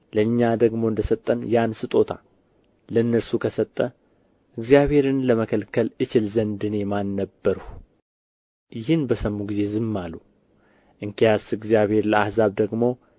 ለእኛ ደግሞ እንደ ሰጠን ያን ስጦታ ለእነርሱ ከሰጠ እግዚአብሔርን ለመከልከል እችል ዘንድ እኔ ማን ነበርሁ ይህን በሰሙ ጊዜም ዝም አሉና እንኪያስ እግዚአብሔር ለአሕዛብ ደግሞ